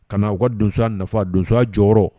Ka na u ka donso nafa donsoya jɔyɔrɔ rɔ